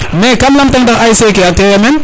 mais kam lamtang ndax ASC ke a tewa meen